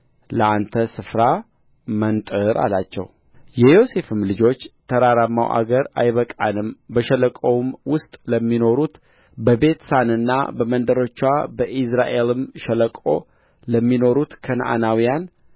ለአንተ ስፍራ መንጥር አላቸው የዮሴፍም ልጆች ተራራማው አገር አይበቃንም በሸለቆውም ውስጥ ለሚኖሩት በቤትሳንና በመንደሮችዋ በኢይዝራኤልም ሸለቆ ለሚኖሩት ከነዓናውያን